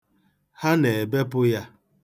Ha na-ebepụ ya.